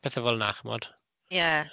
Pethe fel 'na chimod.